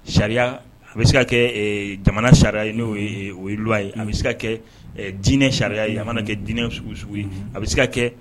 Sariya a bɛ se ka kɛ jamana sariya n'o o yelu ye a bɛ se kɛ dinɛ sariya ye a mana kɛ dinɛ sugu sugu a bɛ se ka kɛ